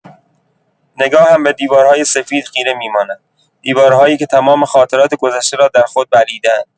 نگاهم به دیوارهای سفید خیره می‌ماند، دیوارهایی که تمام خاطرات گذشته را در خود بلعیده‌اند.